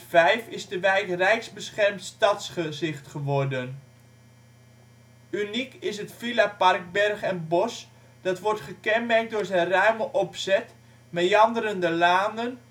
2005 is de wijk rijksbeschermd stadsgezicht geworden. Uniek is het villapark Berg en Bos, dat wordt gekenmerkt door zijn ruime opzet, ' meanderende ' lanen